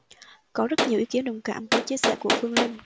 có rất nhiều ý kiến đồng cảm với chia sẻ của phương linh